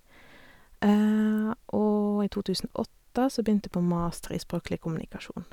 Og i to tusen og åtte så begynte jeg på master i språklig kommunikasjon.